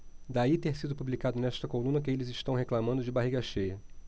daí ter sido publicado nesta coluna que eles reclamando de barriga cheia